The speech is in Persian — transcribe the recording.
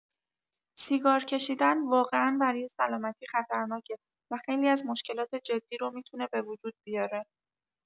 سیگار کشیدن واقعا برای سلامتی خطرناکه و خیلی از مشکلات جدی رو می‌تونه بوجود بیاره.